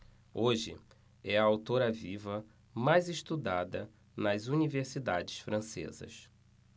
hoje é a autora viva mais estudada nas universidades francesas